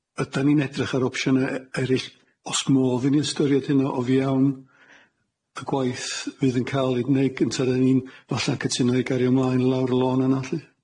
Ydan ni'n edrych ar opsiyne e- erill? O's modd i ni ystyried hynna o fewn y gwaith fydd yn ca'l ei wneud gynta 'dan ni'n falla cytuno i gario mlaen i lawr y lôn yna lly?